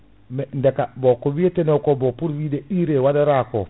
deka bon koyiteno ko bon pour wide urée waɗata ko